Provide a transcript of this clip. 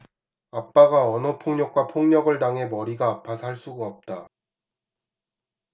아빠가 언어폭력과 폭력을 당해 머리가 아파 살 수가 없다